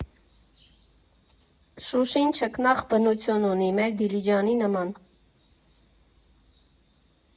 Շուշին չքնաղ բնություն ունի, մեր Դիլիջանի նման…